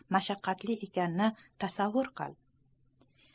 mashaqqatli ekanini tasavvur qil